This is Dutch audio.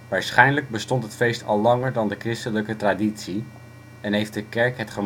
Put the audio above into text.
Waarschijnlijk bestond het feest al langer dan de christelijke traditie, en heeft de Kerk het gemakkelijker